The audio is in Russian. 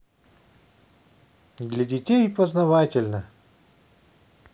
для детей позновательно